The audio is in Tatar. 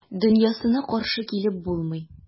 Дөньясына каршы килеп булмый.